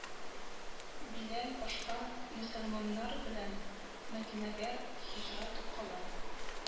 Биләл башка мөселманнар белән Мәдинәгә һиҗрәт кыла